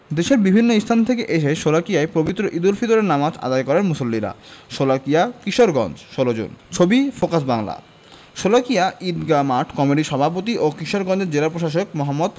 দেশের বিভিন্ন স্থান থেকে এসে শোলাকিয়ায় পবিত্র ঈদুল ফিতরের নামাজ আদায় করেন মুসল্লিরা শোলাকিয়া কিশোরগঞ্জ ১৬ জুন ছবি ফোকাস বাংলা শোলাকিয়া ঈদগাহ মাঠ কমিটির সভাপতি ও কিশোরগঞ্জের জেলা প্রশাসক মো.